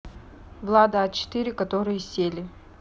влада а четыре которые сели